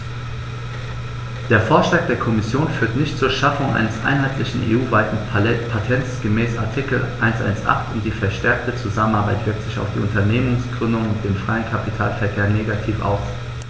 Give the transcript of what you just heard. Der Vorschlag der Kommission führt nicht zur Schaffung eines einheitlichen, EU-weiten Patents gemäß Artikel 118, und die verstärkte Zusammenarbeit wirkt sich auf die Unternehmensgründung und den freien Kapitalverkehr negativ aus.